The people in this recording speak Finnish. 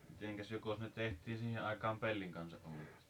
mitenkäs jokos ne tehtiin siihen aikaan pellin kanssa uunit